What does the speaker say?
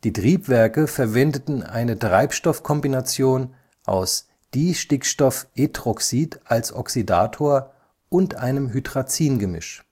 Triebwerke verwendeten eine Treibstoffkombination aus Distickstofftetroxid als Oxidator und einem Hydrazingemisch